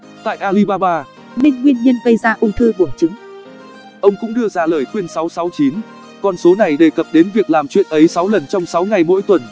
tại alibaba ngoài việc thưởng kpi cho nhân viên sinh thêm con ông cũng đưa ra lời khuyên con số này đề cập đến việc làm chuyện ấy lần trong ngày tuần